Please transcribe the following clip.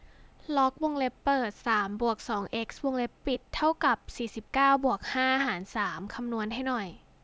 ล็อกวงเล็บเปิดสามบวกสองเอ็กซ์วงเล็บปิดเท่ากับสี่สิบเก้าบวกห้าหารสามคำนวณให้หน่อย